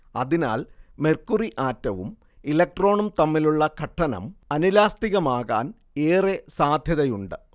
അതിനാൽ മെർക്കുറി ആറ്റവും ഇലക്ട്രോണും തമ്മിലുള്ള ഘട്ടനം അനിലാസ്തികമാകാൻ ഏറെ സാധ്യതയുണ്ട്